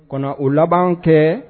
Ka o laban kɛ